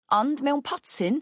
ond mewn potyn